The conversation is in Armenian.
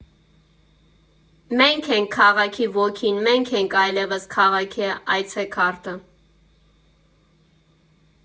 Մենք ենք քաղաքի ոգին, մենք ենք այլևս քաղաքի այցեքարտը։